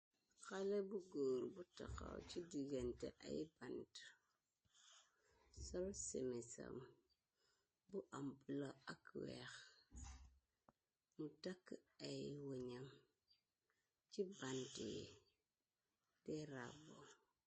Xale bu góor bu taxaw ci digante ay bante sol semisam bu am bulo ak weex mu tëkk ay wuñam ci bant yi de rabbo.